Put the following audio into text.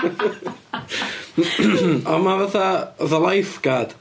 Ond ma' fatha, fatha lifeguard.